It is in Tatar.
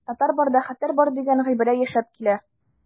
Татар барда хәтәр бар дигән гыйбарә яшәп килә.